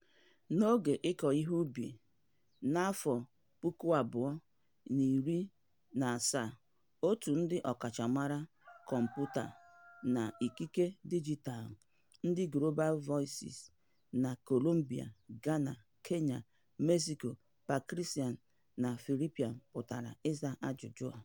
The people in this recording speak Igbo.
N'oge ịkọ ihe ubi 2017, òtù ndị ọkachamara kọmputa na ikike dijitaalụ ndị Global Voices na Colombia, Ghana, Kenya, Mexico, Pakistan na Philippines pụtara ịza ajụjụ a.